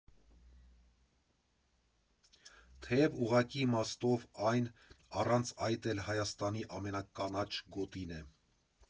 Թեև ուղղակի իմաստով այն առանց այդ էլ Հայաստանի ամենականաչ գոտին է։